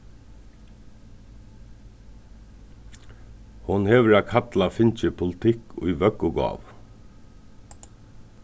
hon hevur at kalla fingið politikk í vøggugávu